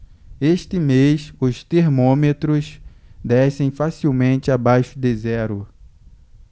este mês os termômetros descem facilmente abaixo de zero